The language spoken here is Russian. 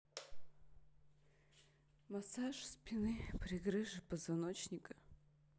массаж спины при грыже позвоночника